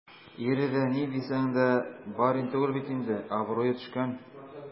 Ире дә, ни дисәң дә, барин түгел бит инде - абруе төшкән.